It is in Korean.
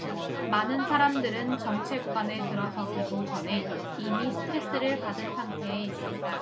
많은 사람들은 정체 구간에 들어서기도 전에 이미 스트레스를 받은 상태에 있습니다